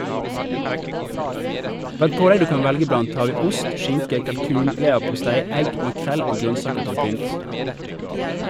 Blant pålegg du kan velge blant har vi ost, skinke, kalkun, leverpostei, egg, makrell og grønnsaker til pynt.